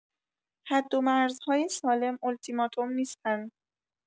حدومرزهای سالم اولتیماتوم نیستند.